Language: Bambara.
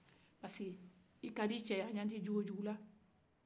sabu i ka di cɛ ye a tɛ cogo jugu dɔ i la